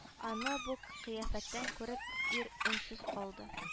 Аны бу кыяфәттә күреп ир өнсез калды